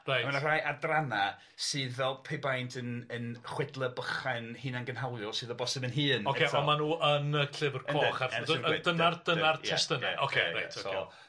Reit. Ond ma' rhai adranna sydd fel pe baent yn yn chwedle bychain hunan gynhaliol sydd o bosib yn hŷn. Ocê on' ma' nw yn y llyfr coch dyna'r dyna'r testunau ie ie. Ocê reit ocê. so.